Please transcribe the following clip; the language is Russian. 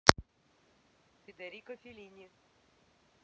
федерико феллини